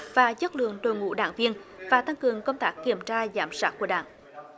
và chất lượng đội ngũ đảng viên và tăng cường công tác kiểm tra giám sát của đảng